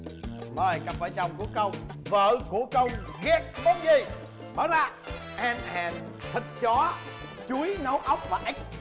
mời cặp vợ chồng của công vợ của công ghét món gì mở ra hem hèm thịt chó chuối nấu ốc và ếch